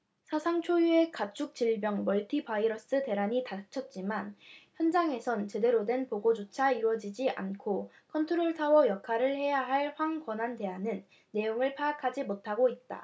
사상 초유의 가축 질병 멀티 바이러스 대란이 닥쳤지만 현장에선 제대로 된 보고조차 이뤄지지 않고 컨트롤타워 역할을 해야 할 황 권한대행은 내용을 파악하지 못하고 있다